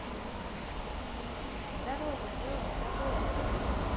здорово джой тобой